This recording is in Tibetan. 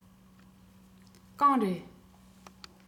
གང རེད